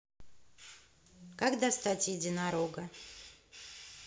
как достать единорога